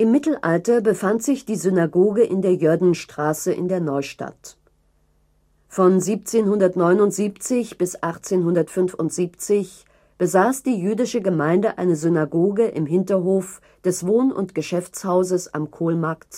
Mittelalter befand sich die Synagoge in der Jöddenstraße in der Neustadt. Von 1779 bis 1875 besaß die jüdische Gemeinde eine Synagoge im Hinterhof des Wohn - und Geschäftshauses am Kohlmarkt